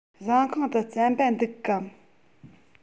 ཟ ཁང དུ རྩམ པ འདུག གམ